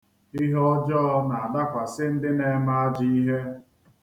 Ihe ọjọọ na-adakwasị ndị na-eme ajọ ihe.